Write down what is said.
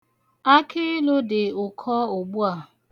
Akịilu dị ụkọ ugbu a.